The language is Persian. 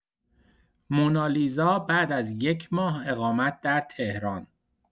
مونالیزا بعد از یک ماه اقامت در تهران